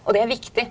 og det er viktig.